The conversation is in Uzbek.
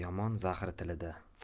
yomon zahri tilida